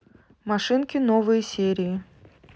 машинки новые серии